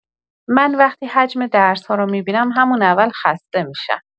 من وقتی حجم درس‌ها رو می‌بینم، همون اول خسته می‌شم.